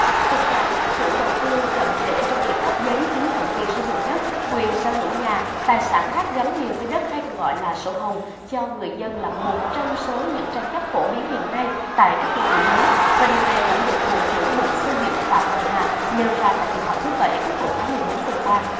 thực trạng các chủ đầu tư chậm trễ trong việc cấp giấy chứng nhận quyền sử dụng đất quyền sở hữu nhà tài sản khác gắn liền với đất hay còn gọi là sổ hồng cho người dân là một trong số những tranh chấp phổ biến hiện nay tại các đô thị lớn và điều này cũng được bộ trưởng bộ xây dựng phạm hồng hà nêu ra tại kỳ họp thứ bảy quốc hội khóa mười bốn vừa qua